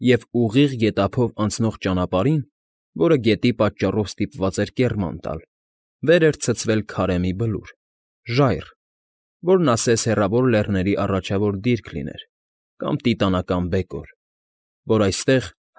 Եվ ուղիղ գետափով անցնող ճանապարհին, որը գետի պատճառով ստիպված էր կեռման տալ, վեր էր ցցվել քարե մի բլուր, ժայռ, որն ասես հեռավոր լեռների առաջավոր դիրք լիներ կամ տիտանական բեկոր, որ այստեղ,